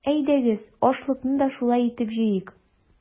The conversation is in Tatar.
Әйдәгез, ашлыкны да шулай итеп җыйыйк!